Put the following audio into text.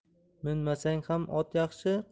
minmasang ham ot yaxshi